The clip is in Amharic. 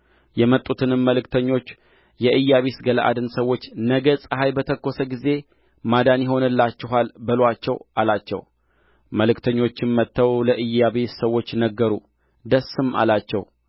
የመጡትንም መልክተኞች የኢያቢስ ገለዓድን ሰዎች ነገ ፀሐይ በተኮሰ ጊዜ ማዳን ይሆንላችኋል በሉአቸው አሉአቸው መልክተኞችም መጥተው ለኢያቢስ ሰዎች ነገሩ ደስም አላቸው